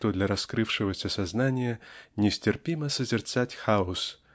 что для раскрывшегося сознания нестерпимо созерцать хаос